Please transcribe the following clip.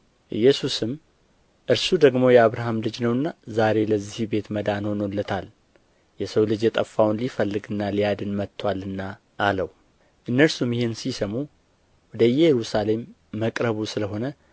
ኢየሱስም እርሱ ደግሞ የአብርሃም ልጅ ነውና ዛሬ ለዚህ ቤት መዳን ሆኖለታል የሰው ልጅ የጠፋውን ሊፈልግና ሊያድን መጥቶአለና አለው እነርሱም ይህን ሲሰሙ ወደ ኢየሩሳሌም መቅረቡ ስለ ሆነ